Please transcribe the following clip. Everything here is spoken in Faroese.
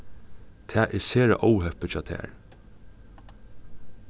tað er sera óheppið hjá tær